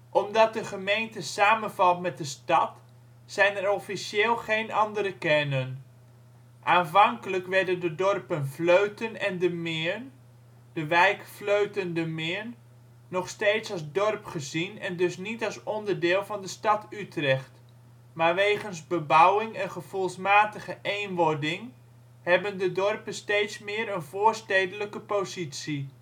Omdat de gemeente samenvalt met de stad, zijn er officieel geen andere kernen. Aanvankelijk werden de dorpen Vleuten en De Meern (wijk Vleuten-De Meern) nog steeds als dorp gezien en dus niet als onderdeel van de stad Utrecht, maar wegens bebouwing en gevoelsmatige eenwording hebben de dorpen steeds meer een voorstedelijke positie